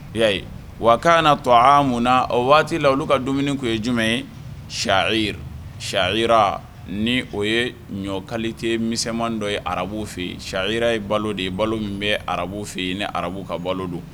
Y yaa wa ka na tɔ mun o waati la olu ka dumuni tun ye jumɛn ye siyan si ni o ye ɲɔkali tɛ miman dɔ ye arabuw fɛ yen sihira ye balo de ye balo min bɛ arabu fɛ yen ni arabu ka balo don